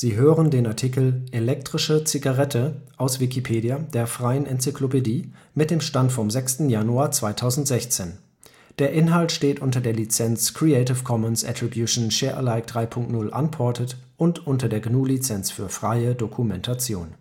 hören den Artikel Elektrische Zigarette, aus Wikipedia, der freien Enzyklopädie. Mit dem Stand vom Der Inhalt steht unter der Lizenz Creative Commons Attribution Share Alike 3 Punkt 0 Unported und unter der GNU Lizenz für freie Dokumentation